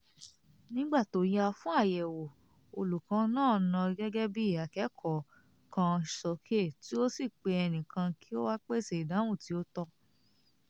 Nígbà tó yá, fún àyẹ̀wò, olùkọ́ náà na gègé akẹ́kọ̀ọ́ kan sókè tí ó sì pe ẹnìkan kí ó wá pèsè ìdáhùn tí ó tọ́.